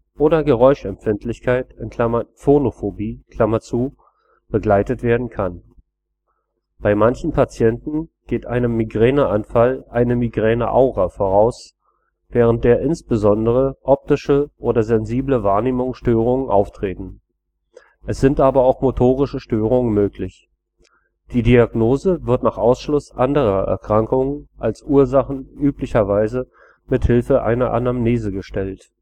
oder Geräuschempfindlichkeit (Phonophobie) begleitet werden kann. Bei manchen Patienten geht einem Migräneanfall eine Migräneaura voraus, während der insbesondere optische oder sensible Wahrnehmungsstörungen auftreten. Es sind aber auch motorische Störungen möglich. Die Diagnose wird nach Ausschluss anderer Erkrankungen als Ursachen üblicherweise mit Hilfe einer Anamnese gestellt